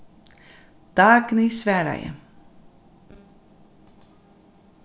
dagny svaraði